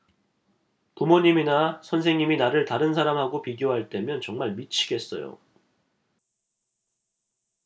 부모님이나 선생님이 나를 다른 사람하고 비교할 때면 정말 미치겠어요